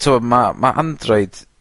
T'o' ma' ma' Android